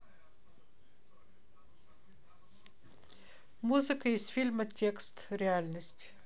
музыка из фильма текст реальность